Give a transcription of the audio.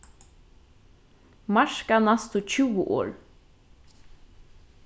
marka næstu tjúgu orð